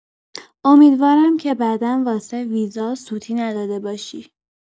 امیدوارم که بعدا واسه ویزا سوتی نداده باشی.